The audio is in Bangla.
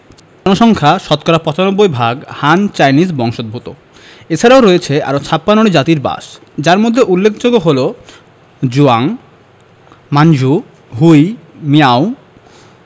জনসংখ্যা শতকরা ৯৫ ভাগ হান চাইনিজ বংশোদূত এছারাও রয়েছে আরও ৫৬ টি জাতির বাসযার মধ্যে উল্লেখযোগ্য হলো জুয়াং মাঞ্ঝু হুই মিয়াও